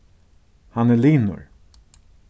hann er linur